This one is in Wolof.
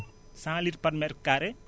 cent litres par mètre carré